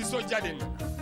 I nisɔn diyalen